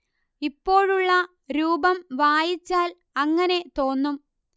ഇപ്പോഴുള്ള രൂപം വായിച്ചാൽ അങ്ങനെ തോന്നും